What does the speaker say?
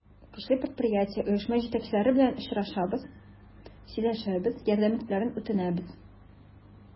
Көчле предприятие, оешма җитәкчеләре белән очрашабыз, сөйләшәбез, ярдәм итүләрен үтенәбез.